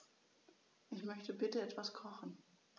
Ich möchte bitte etwas kochen.